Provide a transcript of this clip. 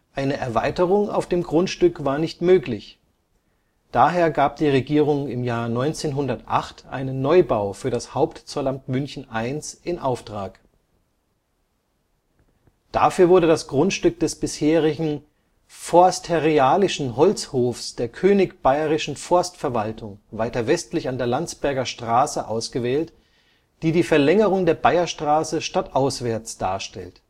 Eine Erweiterung auf dem Grundstück war nicht möglich. Daher gab die Regierung 1908 einen Neubau für das Hauptzollamt München I in Auftrag. Dafür wurde das Grundstück des bisherigen forstärialischen Holzhofs der königlich bayerischen Forstverwaltung weiter westlich an der Landsberger Straße ausgewählt, die die Verlängerung der Bayerstraße stadtauswärts darstellt